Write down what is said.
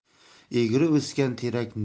egri o'sgan terak